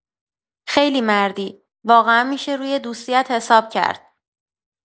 خیلی مردی، واقعا می‌شه روی دوستی‌ات حساب کرد.